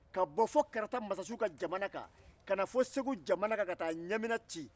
ka bɔ fɔ karata masasi ka jamana kan ka na fɔ segu jamana kan ka taa ɲamina ci